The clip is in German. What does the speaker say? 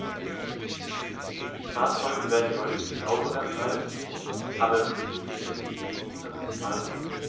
Die Fahrzeuge werden deutlich sauberer, bleiben aber für die mittelständischen Nutzer bezahlbar.